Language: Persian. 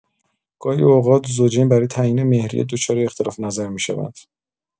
گاهی اوقات زوجین برای تعیین مهریه دچار اختلاف‌نظر می‌شوند.